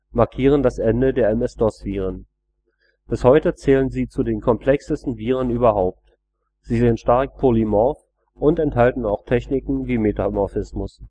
markieren das Ende der MS-DOS-Viren. Bis heute zählen sie zu den komplexesten Viren überhaupt. Sie sind stark polymorph und enthalten auch Techniken wie Metamorphismus